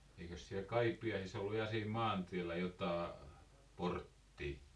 eikös siellä Kaipiaisissa ollut ja siinä maantiellä jotakin porttia